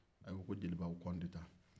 e u ko jeliba ko an tɛ taa